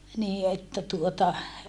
niin että tuota